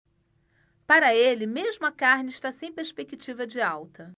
para ele mesmo a carne está sem perspectiva de alta